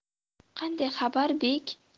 qanday xabar bek